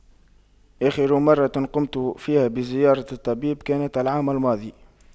آخر مرة قمت فيها بزيارة الطبيب كانت العام الماضي